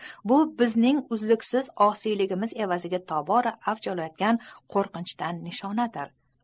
bu bizning uzluksiz osiyligimiz evaziga tobora avj olayotgan qo'rqinchdan nishonadir